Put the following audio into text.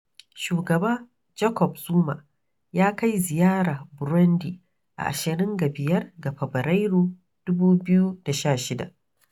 Shugaba Jacob Zuma ya kai ziyara Burundi a 25 ga Fabarairu, 2016.